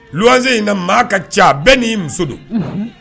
Luwanse in na maa ka ca bɛɛ n'i muso don, unhun